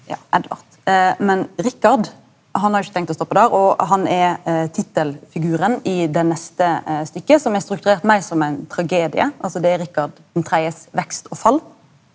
ja Edvard men Rikard han har jo ikkje tenkt å stoppe der og han er tittelfiguren i det neste stykket som er strukturert meir som ein tragedie altså det er Rikard den tredjes vekst og fall.